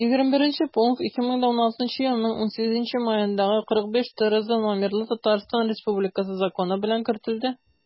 21 пункт 2016 елның 18 маендагы 45-трз номерлы татарстан республикасы законы белән кертелде